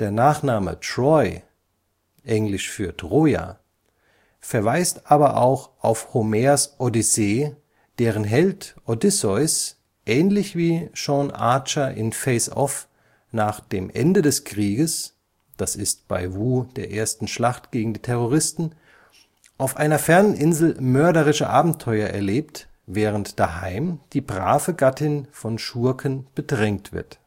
Nachname Troy (engl.: Troja) verweist aber auch auf Homers Odyssee, deren Held, Odysseus, ähnlich wie Sean Archer in Face Off, nach dem Ende des Krieges (bei Woo der ersten Schlacht gegen die Terroristen) auf einer fernen Insel mörderische Abenteuer erlebt, während daheim die brave Gattin von Schurken bedrängt wird